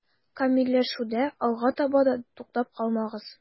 Камилләшүдә алга таба да туктап калмагыз.